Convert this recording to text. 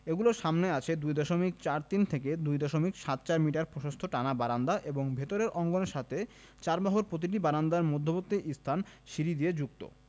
এগুলির সামনে আছে ২ দশমিক চার তিন থেকে ২ দশমিক সাত চার মিটার প্রশস্ত টানা বারান্দা এবং ভেতরের অঙ্গনের সাথে চারবাহুর প্রতিটি বারান্দার মধ্যবর্তীস্থান সিঁড়ি দিয়ে যুক্ত